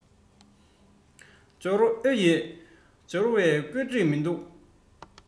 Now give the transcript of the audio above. འབྱོར ཨེ ཡོད འབྱོར བའི སྐོར བྲིས མི འདུག